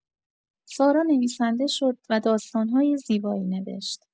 سارا نویسنده شد و داستان‌های زیبایی نوشت.